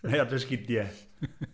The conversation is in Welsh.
Neu ar dy sgidiau.